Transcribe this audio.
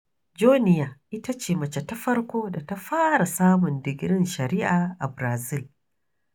Joenia ita ce mace ta farko da ta fara samun digirin Shari'a a Barazil.